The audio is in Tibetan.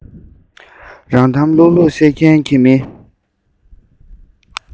རང གཏམ ལྷུག ལྷུག བཤད མཁན གྱི མི